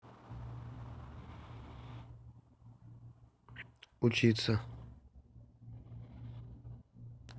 учиться